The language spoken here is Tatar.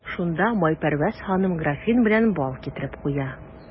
Шунда Майпәрвәз ханым графин белән бал китереп куя.